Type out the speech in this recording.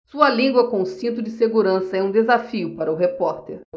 sua língua com cinto de segurança é um desafio para o repórter